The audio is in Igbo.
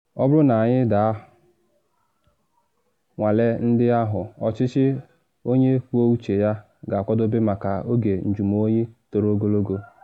Ọ bụrụ na anyị daa nnwale ndị ahụ, ọchịchị onye kwuo uche ya ga-akwadobe maka oge njụmoyi toro ogologo.